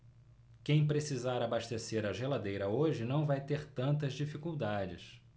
quem precisar abastecer a geladeira hoje não vai ter tantas dificuldades